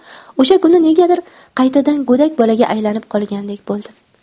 o'sha kuni negadir qaytadan go'dak bolaga aylanib qolgandek bo'ldim